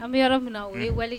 An bɛ yɔrɔ minna o ye wale